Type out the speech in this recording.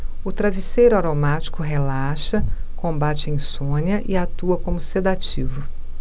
o travesseiro aromático relaxa combate a insônia e atua como sedativo